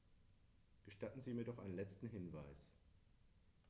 Gestatten Sie mir noch einen letzten Hinweis.